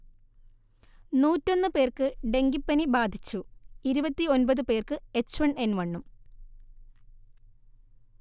നൂറ്റൊന്ന്പേർക്ക് ഡെങ്കിപ്പനി ബാധിച്ചു ഇരുപത്തി ഒന്പതു പേർക്ക് എച്ച്വൺ എൻവണും